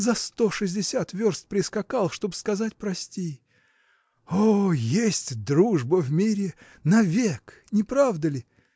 – За сто шестьдесят верст прискакать, чтоб сказать прости! О, есть дружба в мире! навек, не правда ли?